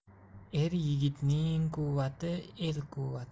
er yigitning quvvati el quvvati